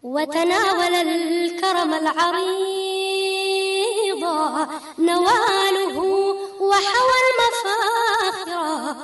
Wa wagatili fara bɔ nbugu wa bɛ sa